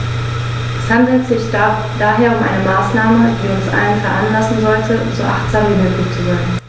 Es handelt sich daher um eine Maßnahme, die uns alle veranlassen sollte, so achtsam wie möglich zu sein.